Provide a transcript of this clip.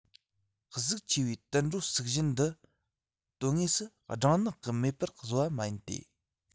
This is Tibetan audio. གཟུགས ཆེ བའི དུད འགྲོ སུག བཞི འདི དོན དངོས སུ སྦྲང ནག གིས མེད པར བཟོ བ མ ཡིན ཏེ